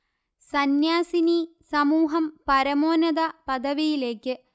സന്യാസിനീ സമൂഹം പരമോന്നത പദവിയിലേക്ക്